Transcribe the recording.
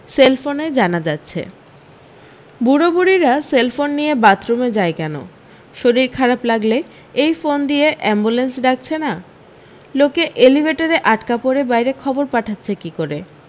সেলফোনে জানা যাচ্ছে বুড়োবুড়িরা সেলফোন নিয়ে বাথরুমে যায় কেন শরীর খারাপ লাগলে এই ফোন দিয়ে আম্বুলেন্স ডাকছে না লোকে এলিভেটরে আটকে পড়ে বাইরে খবর পাঠাচ্ছে কী করে